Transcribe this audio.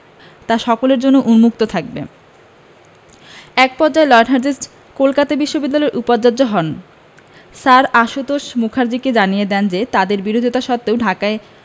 তা সকলের জন্য উন্মুক্ত থাকবে এক পর্যায়ে লর্ড হার্ডিঞ্জ কলকাতা বিশ্ববিদ্যালয়ের উপাচার্য হন স্যার আশুতোষ মুখার্জীকে জানিয়ে দেন যে তাঁদের বিরোধিতা সত্ত্বেও ঢাকায়